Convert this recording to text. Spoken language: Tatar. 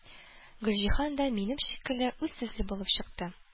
Гөлҗиһан да минем шикелле үзсүзле булып чыкты.